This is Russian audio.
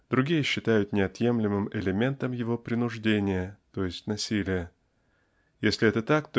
другие считают неотъемлемым элементом его принуждение т. е. насилие. Если это так